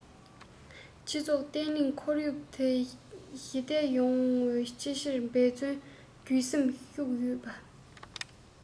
སྤྱི ཚོགས བརྟན ལྷིང ཁོར ཡུག ཞི བདེ ཡོང ཕྱིར འབད ཅིང བརྩོན རྒྱུའི སེམས ཤུགས ཡོད པ